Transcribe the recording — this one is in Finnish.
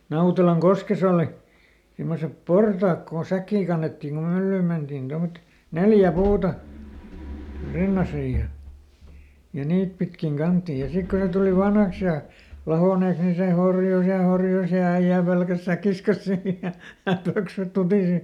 Nautelankoskessa oli semmoiset portaat kun säkkiä kannettiin kun myllyyn mentiin tuommoiset neljä puuta rintaisin ja ja niitä pitkin kannettiin ja sitten kun ne tuli vanhaksi ja lahonneeksi niin se horjui ja horjui ja äijä pelkäsi säkkinsä kanssa siinä ja ja pöksyt tutisi